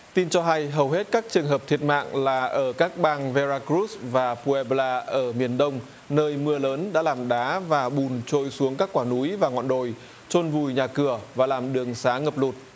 tin cho hay hầu hết các trường hợp thiệt mạng là ở các bang vê ra cờ rút và cu e bờ la ở miền đông nơi mưa lớn đã làm đá và bùn trôi xuống các quả núi và ngọn đồi chôn vùi nhà cửa và làm đường sá ngập lụt